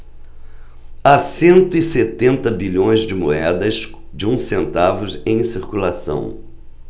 há cento e setenta bilhões de moedas de um centavo em circulação